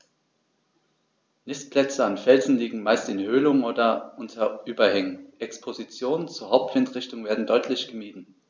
Nistplätze an Felsen liegen meist in Höhlungen oder unter Überhängen, Expositionen zur Hauptwindrichtung werden deutlich gemieden.